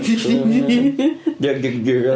.